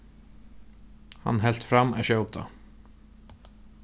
hann helt fram at skjóta